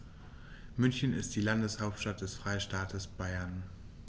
München ist die Landeshauptstadt des Freistaates Bayern.